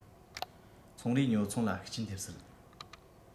ཚོང རའི ཉོ ཚོང ལ ཤུགས རྐྱེན ཐེབས སྲིད